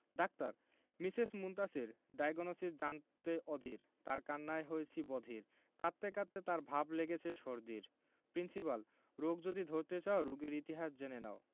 doctor Mrs Muntasir diagnosis জানতে অধীর তার কান্নায় হয়েছি বধির কাঁদতে কাঁদতে তার ভাব লেগেছে সর্দির প্রিন্সিপাল রোগ যদি ধরতে চাও রোগীর ইতিহাস জেনে নাও